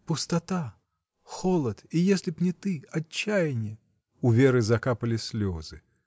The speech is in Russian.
Пустота, холод, и если б не ты, отчаяние. У Веры закапали слезы.